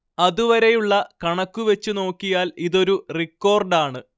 അതുവരെയുള്ള കണക്കു വച്ചു നോക്കിയാൽ ഇതൊരു റിക്കോർഡാണ്